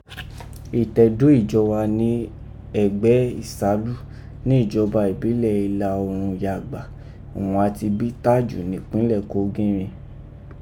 Itedo Ijowa ni ẹ̀gbẹ́ Isanlu, ni ijọba ibilẹ Ila oorun Yagba òghun a ti bi Tájù nipinlẹ Kogi rin.